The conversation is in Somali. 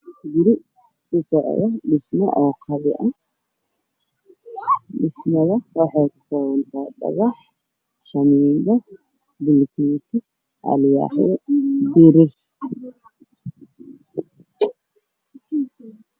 Waa guri dhismo ka socda waxa uu ka kooban yahay mudnaan dhulka waa cid cid dhagax ayaa lama tiro